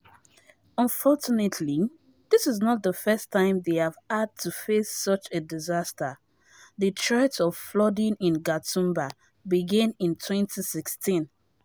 Unfortunately, this is not the first time they have had to face such a disaster: the threat of flooding in Gatumba began in 2016.